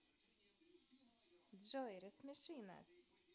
джой рассмеши нас